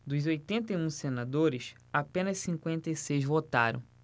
dos oitenta e um senadores apenas cinquenta e seis votaram